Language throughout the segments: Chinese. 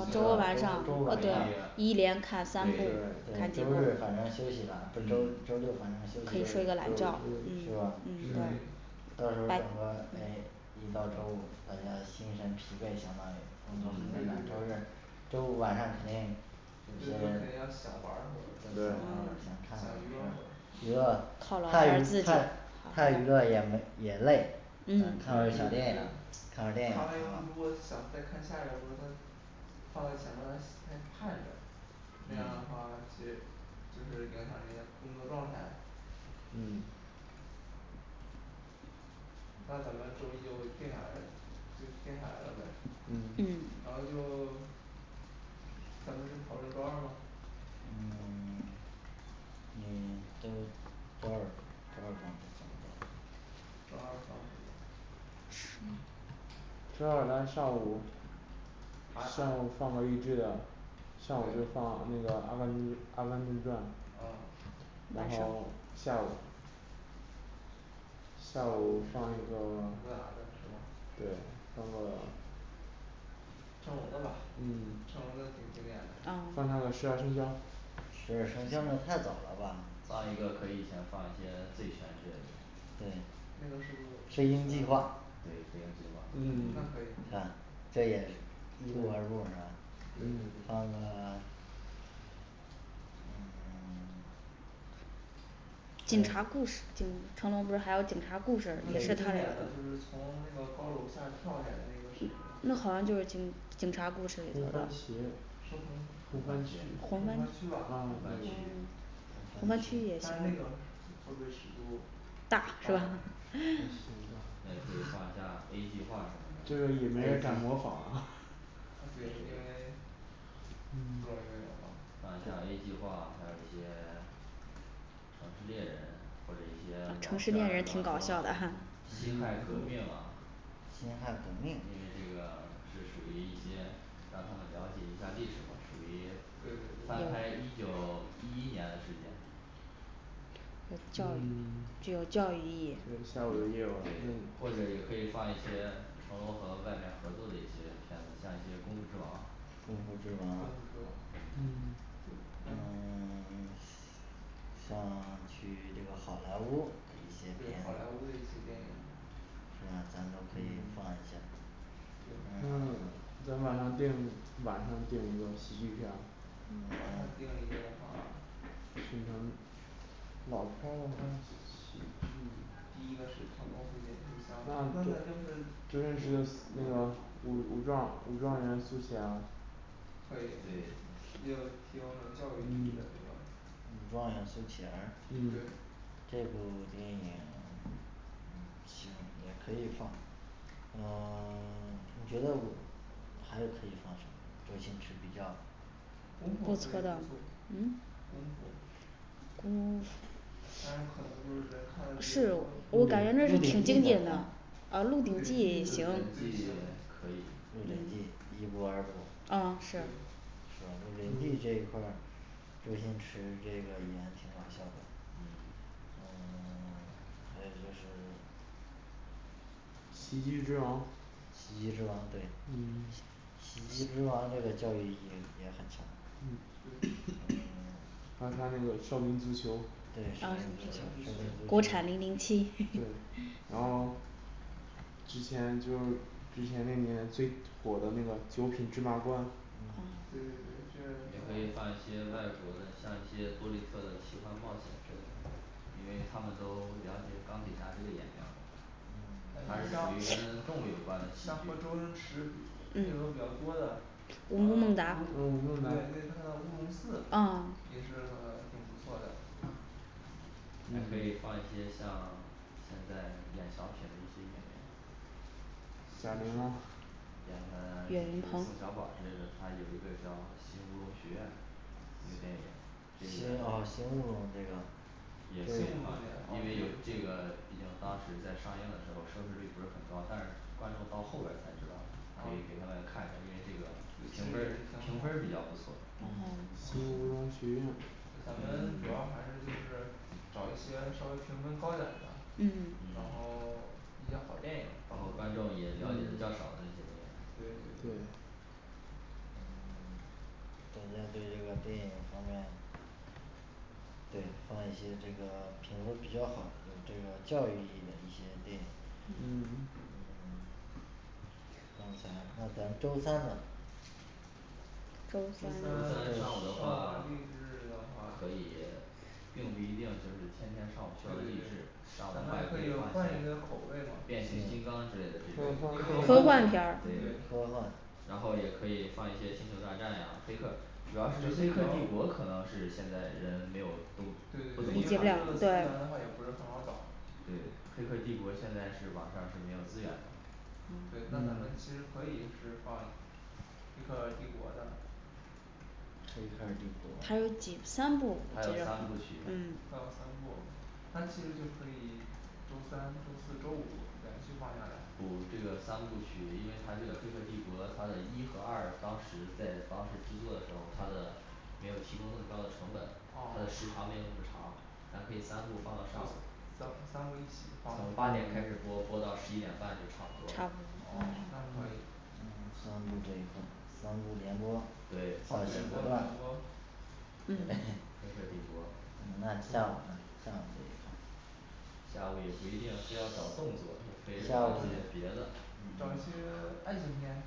周周周周五五晚晚上上可以一连看三次对对，周日反正休息了，周周六反正休可以息睡个了懒觉，是吧是一到周五大家心神疲惫，相当于我们周对日周五晚上肯定周五肯定想玩儿会儿想玩儿对想娱想看乐会儿看不要太太太娱乐也也累。嗯嗯看会儿电影，看会儿看完电以影后如果想再看下一部那他放到前面来来看着那样的话去就是影响人家工作状态嗯那咱们周一就定下来就定下来了呗嗯嗯嗯然后就。咱们就讨论周二吗嗯 嗯都周二周二点什么电影周二放什么？周二咱上午上午放个励志的上午就放那个阿甘 阿甘正传，哦晚然上后下午下午放那个对放个成龙的吧，嗯成龙的挺经典的放啊那个十二生肖十二生肖那太早了吧放一个可以先放一些醉拳之类的。嗯那个时候，飞鹰计划对飞鹰计划那嗯可以啊这也嗯 警察故事系列成龙不是还有警察故事那个最经典的就是从那个高楼下跳下来那个那个好像就是警警察故事红番茄是红红红番番茄，茄红番区吧红番啊区但那个会不会吸毒大哥 那可以放一下A计划什么的这个也没人敢模仿啊 呃对因为放一下A计划还有一些 城市猎人或者一些老片儿，比城方市猎人挺搞笑的说 辛亥革命啊，辛亥革因为命这个是属于一些让他们了解一下历史吧，属于对对翻对拍一九一一年的事件有教育嗯具 有教育意义对或者也可以放一些成龙和外面合作的一些片子，像一些功夫之王功夫之功夫之王王嗯嗯 像去这个好莱坞的一些对片好莱坞的一些子电影儿，啊咱都可以放一下儿对那咱晚上定晚上定一个喜剧片晚晚上定一上个的话沈腾老片儿的话喜剧第一个是唐伯虎点秋香那咱就是周星驰的那个武武状武状元苏乞儿可以也对挺有教育意义的那个武状元苏乞儿嗯对，这部电影嗯行也可以放嗯别的我还有可以放的吗周星驰比较功夫可以不错，功夫嗯 大家可能就是看的比是较多我鹿鹿感觉那挺鼎记经怎么典样的，哦鹿鹿鼎鼎记也记行鹿鼎记可以啊是鹿鼎记这一块儿这就是这个人嗯，还有就是喜剧之王喜剧之王对嗯，喜剧之王这个教育理念很强对 还有他那个少林足球对少林足球国产凌凌漆对然后之前就是之前那年最火的那个九品芝麻官对对对这也可以放一些外国的像一些多力特的奇幻冒险之类的。因为他们都了解钢铁侠这个演员它是属像于跟动物有关的喜像和周剧星驰比配合比较多的吴孟达嗯吴对孟达对他的乌龙寺哦也是挺不错的还可以放一些像现在演小品的一些演员贾玲儿吗演的就是宋小宝之类的，他有一个叫新乌龙学院一个电影，新这哦个新乌龙这个也可以放下，因为有这个毕竟当时在上映的时候收视率不是很高，但是观众到后边儿才知道可以给他们看一下，因为这个评评分分儿也儿评分儿是比挺好较不错新乌龙学院就咱们主要还是就是找一些稍微评分高点的嗯，然嗯后一些好电影然后观众也了解的较少的那些电影儿对对对专家对这个电影方面。对放一些这个评分儿比较好有这个教育意义的一些电影。嗯嗯刚才那咱周三呢周周三三周三上上午午的话励志的话可以并不一定就是天天上午需要对励对对志上午的咱话们也也可可以以放换一一些个口味嘛，变形金刚之类的这种科科幻幻对片儿对科幻然后也可以放一些星球大战呀，黑客儿主要是黑客帝国，可能是现在人没有都对不怎对，么因为这看个资对源的话也不是很好找对，黑客帝国现在是网上是没有资源的。对，那咱们其实可以是放黑客帝国的黑客儿帝它国有几三部它有三部曲它嗯有三部那其实就可以周三周四周五连续放下来不这个三部曲，因为它这个黑客帝国它的一和二当时在当时制作的时候，它的没有提供那么高的成本，它的哦时长没有那么长，咱可以三部放到上午三三部一起放从八点开始播到十一点半就差不差多了不哦那可以嗯行就这一部三部连播对对三部连播黑客帝国那下午呢下午这个下午也下不一定非要找动作，就可以找一些午别的找一些爱情片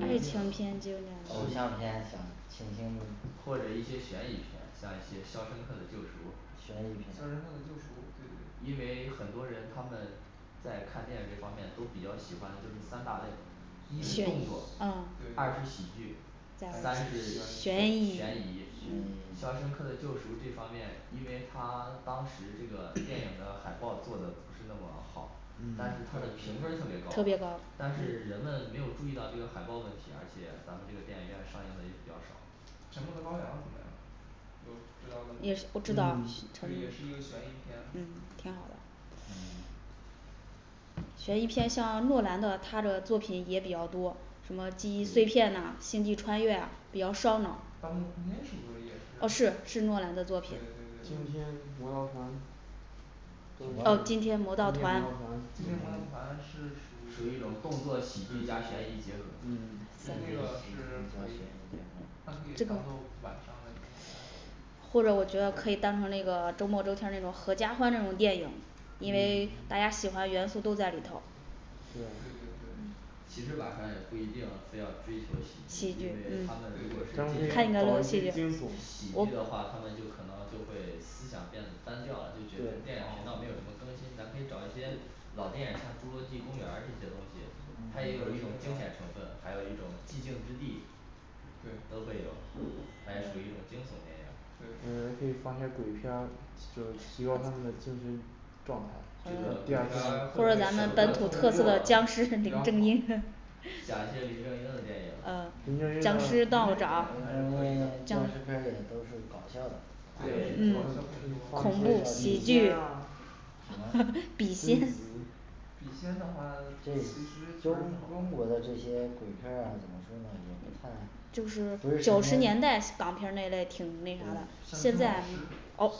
也不一定嗯形象片倾听或者一些悬疑片，像一些肖申克的救赎悬疑肖片申克的救赎对对，因为很多人他们在看电影这方面都比较喜欢的就是三大类，一是动作啊，对二是喜剧三是悬悬疑悬疑疑嗯。肖 申克的救赎这方面，因为它当时这个电影的海报做得不是那么好但是对它的评分儿对对特特别别高高，但是人们没有注意到这个海报问题，而且咱们这个电影院上映的也比较少沉默的羔羊怎么样？有知道的吗？不知道嗯这也是一个悬疑片嗯嗯悬疑片像诺兰的他的作品也比较多，什么记忆碎片对呐，星际穿越啊比较烧脑盗梦空间是不是也哦是是是诺兰的作对品对对惊天魔盗团啊惊天惊天魔魔盗盗团团惊天魔盗团是属属于一于种动作喜剧加悬疑结合嗯那个是可以的，那可以当做晚上的那种压轴，或者我觉得可以当成这个周末周天儿那种合家欢那种电影因为大家喜欢的元素都在里头对对对对其实晚上也不一定非要追求喜喜剧剧，因为他们嗯如果是咱们可以进行搞一些惊悚喜剧的话，他们可能就会思想变得单调了，就觉得电影频道没有什么更新，咱可以找一些老电影儿像侏罗纪公园儿这些东西，它也有一种惊险成分，还有一种寂静之地对都会有，它也属于一种惊悚电对咱影们也可以放一些鬼片儿，就提高他们的精神状态。这个第二天僵尸是比林正英较的好 讲一些林正英的电林正英的林正英电影还呃影僵尸是道长可以僵的尸片儿也都是搞笑的对对，搞笑嗯片多，恐放怖一喜剧些 笔笔仙啊，贞芯子笔仙的话其这实，中中国的这些鬼片儿啊怎么说也不太，就不是是九神十年仙代港片儿那类挺那啥嘞山现村在老尸，哦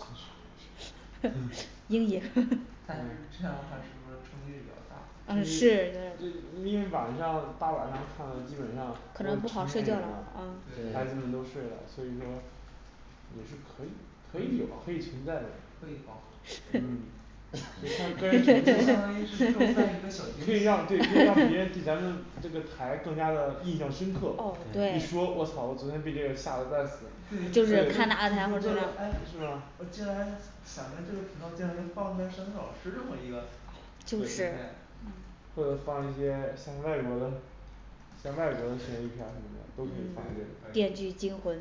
但是 这样的话是不是冲击力比较大，嗯真是是因因为晚上大晚上看的基本上就成年人了，对对孩子们对都睡了，所以说也是可以可以有可以存在的，可以放这相当于是周三一个小可以让对惊喜可以让别人对 咱们这个台更加的印象深刻哦，对一说卧槽我昨天被这个吓的半死我竟然想在这个频道竟然能放出来山村老师这么一个或者放一些像外国的像外国的悬疑片儿都可对以放可电锯以惊魂。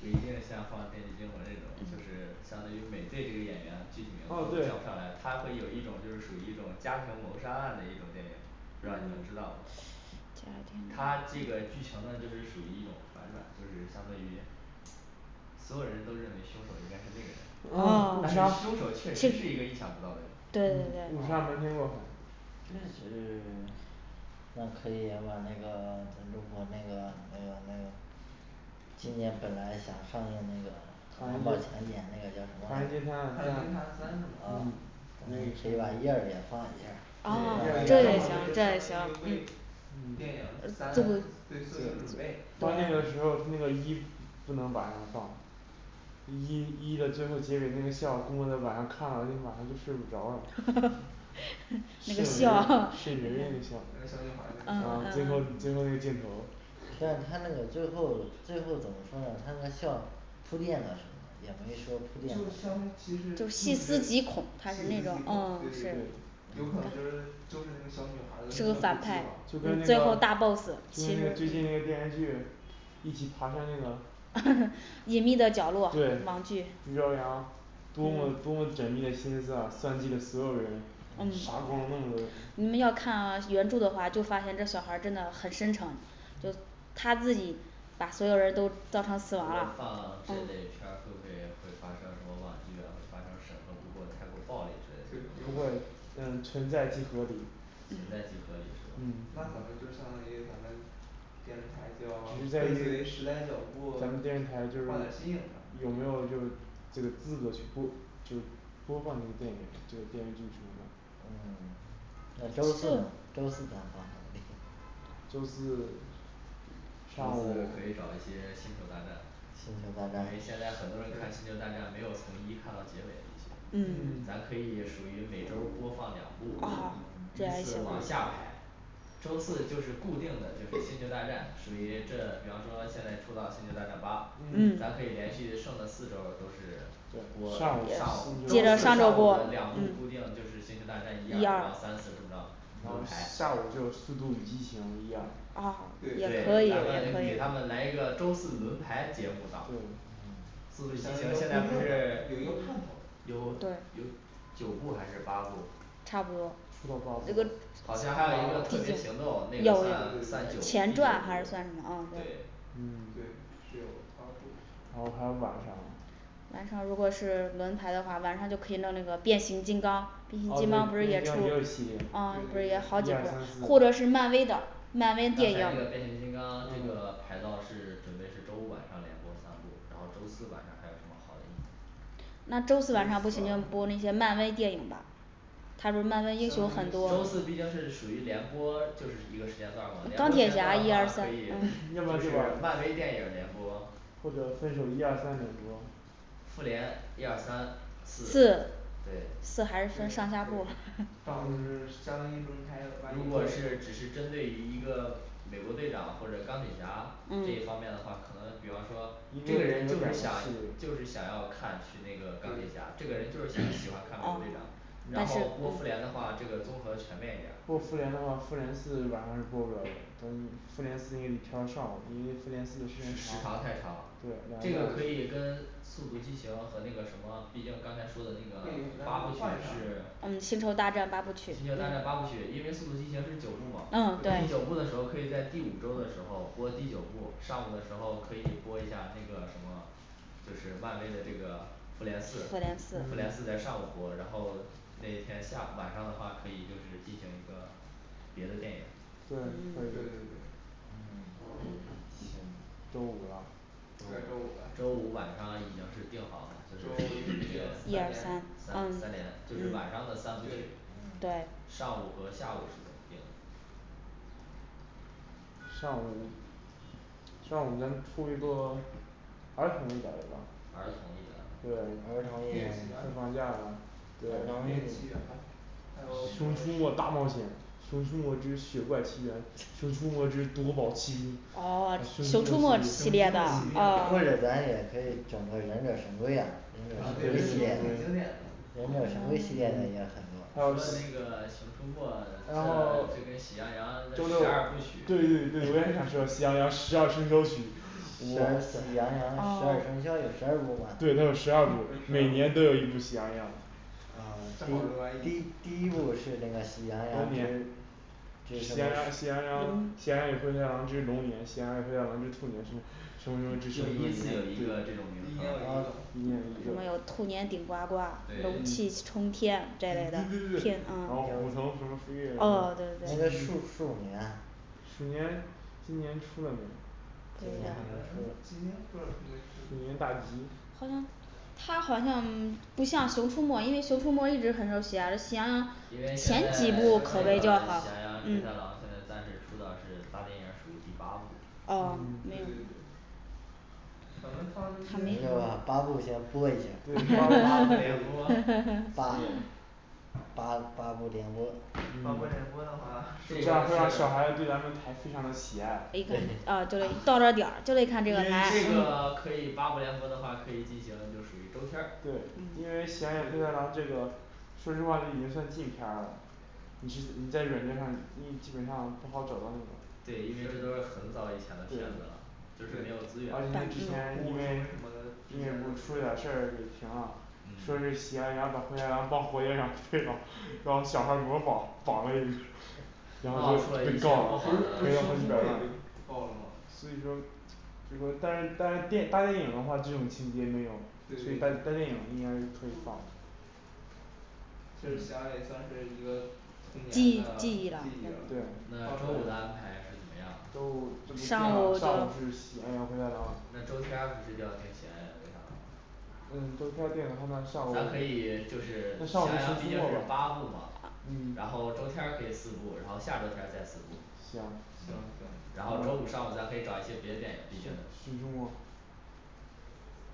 不一定像放电锯惊魂这种就是相当于美队这个演员具体名字哦对叫不上来，他会有属于一种家庭谋杀案的一种电影，不知道你们知道吗他这个剧情呢就是属于一种反转，就是相对于所有人都认为凶手应该是那个人啊啊但是凶手确实是一个意想不到的人对对嗯误对杀瞒天过海这是 那可以要把那个 如果那个那个那个今年本来想上映那个唐王人宝强街演那个叫什么唐人街啊探唐人街探案案三三是吧嗯可以把一二部放一下啊 正好是相当于为对行电影三对都有准备到那个时候那个一不能晚上放一一的最后结尾那个笑，估摸着晚上看了晚上就睡不着了渗人渗人那 个笑那个笑啊小女孩那呃个最后笑最后那个镜头但是他那个最后最后怎么说呢，她的笑铺垫了什么，也没说铺垫了就什像么其就实是细思极恐就是这个细思极恐对对对，她是那种哦对，有可能就是就是那个小女孩儿的那个计最后划反派就跟，那个就最跟终大boss 那个最近那个电视剧一起爬山那个 隐秘的角对朱落网剧朝阳多么多么缜密的心思啊算计了所有人你们要看啊原著的话，就发现这小孩儿真的很深沉，都他自己把所有人都造成如果死亡了放这类片儿会不会会发生什么网剧啊会发生审核不过太过暴力之类的嗯存在即合理存在即合理嗯是吧？那咱们就相当于咱们电视台就要跟随时代脚步咱们放电视点台儿新颖的，有没有就是这个资格去播，就播放这个电影这个电影嗯那周四呢周四咱放什么周四上周四午可以找一些星球大星球大战战因为现在很多人看星球大战，没有从一看到结尾这嗯些，嗯咱可以属于每周儿播放两部啊，依次往下排周四就是固定的就是星球大战，属于这比方说现在出到星球大战八，咱嗯嗯可以连续剩了四周，都是对上午播周四上午两部固定就是星球大战一一二二然后三四这么着，轮排下午就速度与激情一二啊也可对以咱们给他们来一个周四轮排节目档速度与激情现在不是有一个盼头儿有有九部还是八部差不多出到八部了好像还有一个特别行动，那个有算算九第前九传还是部算什么嗯对嗯对是有八部，然后还有晚上晚上如果是轮排的话，晚上就可以弄那个变形金刚哦对，变变形形金金刚刚不是也也出有系列对对，哦不是也一二好对几部，或三四者是漫威的。刚才变漫威形电影金刚这个排到是准备是周五晚上连播三部，然后周四晚上还有什么好的意见那周周四四晚晚上上不行播那些漫威电影吧。他说漫相威当英雄很于多周四毕竟是属于连播，就是一个时间段儿嘛，连播时间段儿的话可以就是漫威电影儿连播或者分手一二三连播妇联一二三四四，对四还是对分上下部对 相当于轮排万如一果是只是针对一个美国队长或者钢铁侠这一方面的话，可能比方说这个人就是想就是想要看去那个钢铁对侠，这个人就是想喜欢看美国队长哦然后播复联的话这个综合全面一点儿播复联的话，复联四晚上是播不了的等你复联四应该调到上午，因为复联四时时长长太长对这个可以跟速度激情和那个什么，毕竟刚才说的那个八部曲是嗯星球大战八部曲星球大战八部曲因为速度激情是九部嗯嘛，第对九部的时候可以在第五周的时候播第九部上午的时候可以播一下那个什么就是漫威的这个复联四复联四复联四在上午播，然后那天下晚上的话可以就是进行一个别的电影对对可以嗯对对嗯行周五啦那周五呗，周五晚上已经是定好了周五就就是定属三 于联三三联就是晚上的三部曲对对上午和下午是怎么定的上午上午我们出一个儿童一点儿的吧？儿童一点儿的对儿童一点儿。都放假啦还有熊出没大冒险，熊出没之雪怪奇缘熊出没之夺宝奇兵，哦熊出没系列的哦或者咱也可以整个忍者神龟啊忍者神龟系列的也很除多了那个熊出没，这这跟喜羊羊这十二部曲对对对我也想说喜羊羊十二生肖曲哇塞喜羊羊十二生肖有十二部吗对它有十二部，每年都有一部喜羊羊啊第一正好录完第一第一部是那个喜羊龙羊年之喜羊羊喜羊羊喜羊羊与灰太狼之龙年，喜羊羊与灰太狼之兔年什么什么什么之就依次有一个这一年有一种名称啊一个年有一有个兔年顶呱呱牛气对冲天这类的哦对对那对鼠鼠年呢鼠年今年出了没，鼠今年年年不知道出没鼠年大吉出它好像不像熊出没，因为熊出没一直很受喜爱，这喜羊羊因为现在这个喜羊羊与灰太郎前几部考嘞比较好现在暂时出的是大电影，属于第八部嗯哦对对对咱们放这咱些就把八是部先播一下儿，八部连播 八个 八八部连播八部连播的话会让小孩子对咱们的台非常的喜爱可以可以哦就是到那点就得因为看这个台这个可以八部连播的话可以进行就属于周天儿对因为喜羊羊与灰太狼这个说实话这已经算禁片儿了。你在软件上你基本上不好找到那种，对，因为这都是很早以前的片子了对就是没有资源了而且它之前因为因为不是出了点儿事儿给停了，说是嗯喜羊羊把灰太狼放火箭上去了然后小孩儿模仿仿了一个 然后给告了，赔了好几百万，所以说但是但是电影大电影的话这种情节没有，所以大大电影应该可以放这喜羊羊也算是一个童记忆年的 记记忆忆了了对那周五的安排是怎么样的周五这不定了，上午是喜羊羊与灰太狼那周天儿不是就要定喜羊羊与灰太狼了吗嗯周天儿定的话那上午咱可以就是那喜上午羊就熊羊出毕竟是没八吧部嘛，嗯，然后周天儿可以四部，然后下周天儿再四部行行行然后周五上午咱可以找一些别的电影毕竟熊熊出没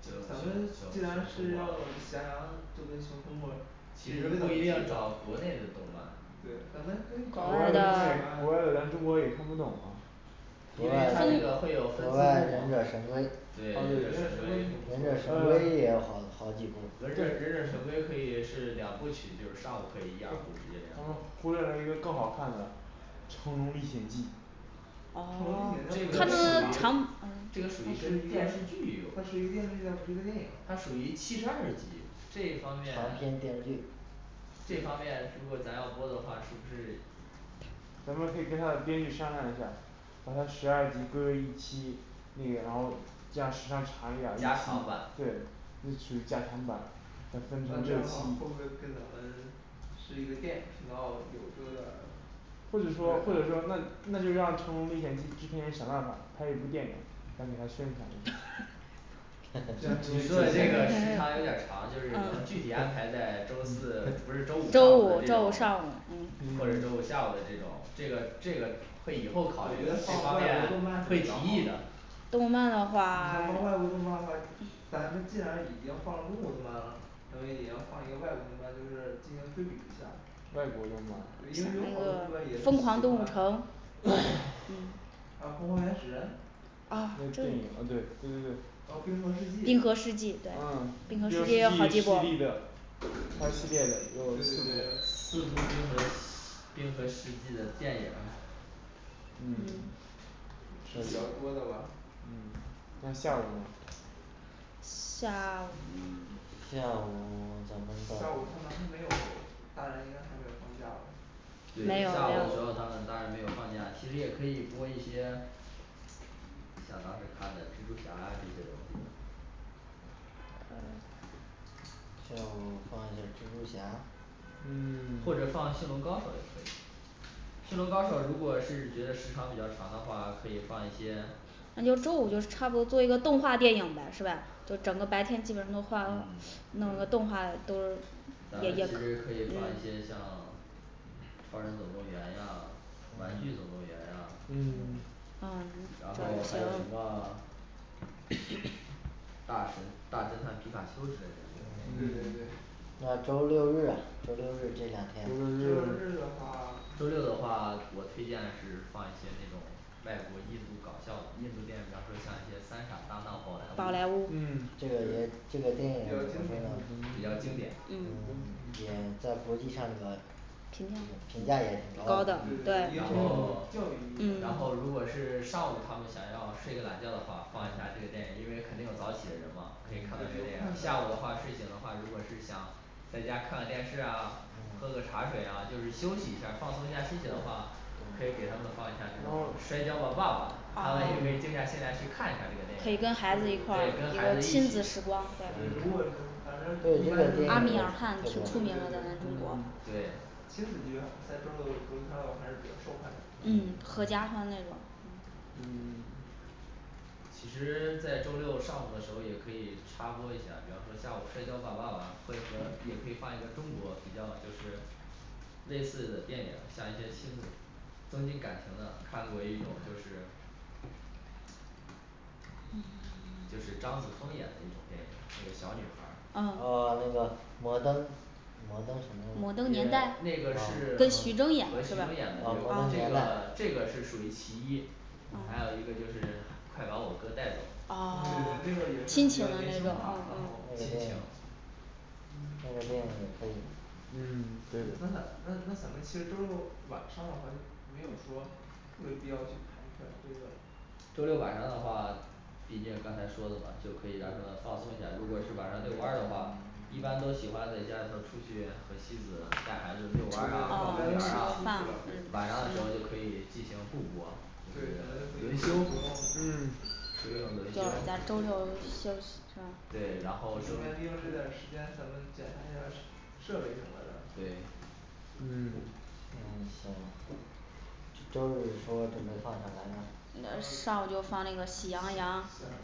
这熊咱熊们既熊然熊出是没要喜羊羊就可以熊出没其实不一定找国内的动漫，对咱们可以找国外的国外的咱中国也看不懂啊，因为它这个会有，国外的忍者神龟对忍者神龟，忍者神龟也有好好几部忍者忍者神龟可以是两部曲，就是上午可以一二部直接连播忽略了一个更好看的成龙历险记。成龙历哦这，险记它这个属它于个长这个属于跟电视剧它有属于电视剧，它不是一个电影，它属于七十二集这一方长面时间电视剧这方面如果咱要播的话，是不是咱们可以跟他编剧商量一下把它十二集归为一期，那个然后这样时长长一点儿加长版对。那属于加长版可以分成那这样后的话会期不会跟咱们是一个电影儿频道，有一个或者说或者说那那就让成龙历险记制片人想办法拍一部电影来给他宣传 这样你说的可以这个时长有点儿长，就是能具体安排在周四不是周五周上午五的这周五上午嗯种，或者周五下午的这种这个这个会以后考虑这方面会提议的动漫的你像放话外，国动漫话，咱们既然已经放了中国动漫了，咱们也要放一个外国动漫就是进行对比一下外国的动对因为好多部分也是喜欢， 还漫有疯疯狂动物城狂原始人这是电影呃对对对还有冰河世纪冰河世纪，对嗯冰河世纪系列的还一系列的对对有对，四部冰河，冰河世纪的电影儿嗯是比较多的吧嗯那下午呢下 午 下午咱们下午他们还没有，大人应该还没有放假吧对，下午的时候他们大人没有放假，其实也可以播一些像当时看的蜘蛛侠啊这些东西的。下午放一下儿蜘蛛侠或者嗯放驯龙高手也可以。驯龙高手如果是觉得时长比较长的话，可以放一些那就周五就是差不多做一个动画电影呗是呗？就整个白天基本都放嗯弄个动画都咱们其实可以放一些像超人总动员呀，玩具总动员呀嗯嗯然后还有什么？大神大侦探皮卡丘之类的。对对嗯对那周六日周六日这两天周周六六日日的话周六的话我推荐是放一些那种外国印度搞笑的印度电影儿，比如说像一些三傻大闹宝宝莱莱乌乌嗯这个行这个电比影较经典比较经典嗯也在国际上呢评价也挺高高对对的对对，也然挺有后教育意义嗯的然后如果是上午他们想要睡个懒觉的话，放一下这个电影，因为肯定有早起的人嘛可以看这个电影儿，下午的话睡醒的话，如果是想在家看个电视啊，喝个茶水啊就是休息一下放松一下心情的话可以给他们放下这种摔跤的爸爸，他们也可以静下心来去看一下这个电可以跟影孩子一块对跟孩儿子亲一起子时光对如果你反正阿米尔汗挺出对名的在对中对国对亲子剧在周六周天儿的话还是比较受欢迎的嗯合家欢那种嗯其实在周六上午的时候也可以插播一下，比方说下午摔跤吧爸爸会和也可以放一个中国比较就是类似的电影儿，像一些亲子增进感情的，看过一种就是就是张子枫演的一种电影那个小女孩儿，哦哦那个摩登摩登什么摩登年代那个是跟和徐徐峥峥演演的的也这个这个是属于其一。还有一个就是快把我哥带走对对那个也是比哦亲情较年轻化，亲情那个电影也可以，嗯对那咱那那咱们其实周六晚上的话就没有说特别必要去排出来这个周六晚上的话，毕竟刚才说的嘛就可以让他们放松一下儿，如果是晚上遛弯的话，一般都喜欢在家里头出去和妻子带孩子遛弯儿啊逛公园啊，晚上的时候就可以进行互播对咱们轮就可以休嗯属于哦咱一种轮休。周六日休息嗯对然咱后周们利用这段时间咱们检查一下设备什么的对。嗯嗯，行周日说准备放啥来着的上午就放那个喜羊羊嗯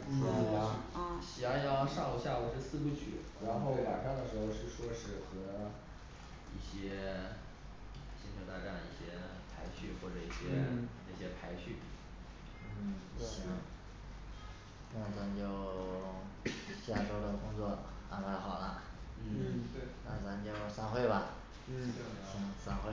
嗯喜羊羊上午下午是四部曲，然后晚对上的时候是说是和一些星球大战一些排序或者一些嗯那些排序嗯行对对那咱就 下周的工作安排好了，嗯嗯对那咱就散会吧。嗯行行散会